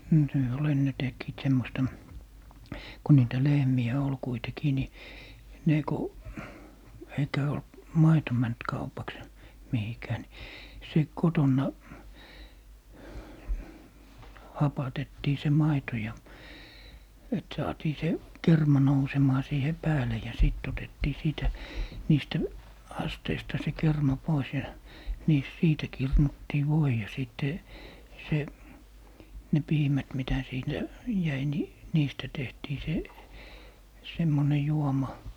no se oli ennen tekivät semmoista kun niitä lehmiä oli kuitenkin niin ne kun eikä ollut maito mennyt kaupaksi mihinkään niin se kotona hapatettiin se maito ja että saatiin se kerma nousemaan siihen päälle ja sitten otettiin siitä niistä asteista se kerma pois ja niissä siitä kirnuttiin voi ja sitten se ne piimät mitä siitä jäi niin niistä tehtiin se semmoinen juoma